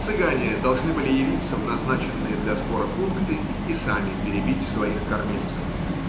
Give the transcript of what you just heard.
цыгане должны были явиться в назначенные для сбора пункты и сами перебить своих кормильцев.